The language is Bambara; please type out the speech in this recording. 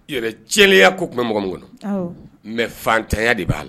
Yɛrɛ cilenya ko tun bɛ mɔgɔ kɔnɔ mɛ fatanya de b'a la